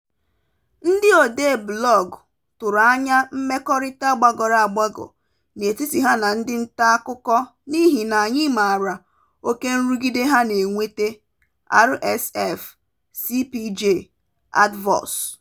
Ndị odee blọọgụ tụrụ anya mmekọrịta gbagoro agbago n'etiti ha na ndị ntaakụkọ n'ịhị na anyị maara oke nrụgide ha na-enweta (RSF, CPJ, Advox).